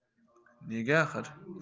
nega axir